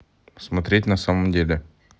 смотреть на самом деле